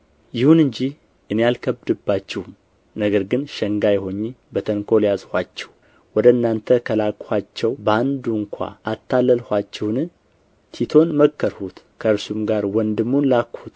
ይሁን እንጂ እኔ አልከበድሁባችሁም ነገር ግን ሸንጋይ ሆኜ በተንኰል ያዝኋችሁ ወደ እናንተ ከላክኋቸው በአንዱ ስንኳ አታለልኋችሁን ቲቶን መከርሁት ከእርሱም ጋር ወንድሙን ላክሁት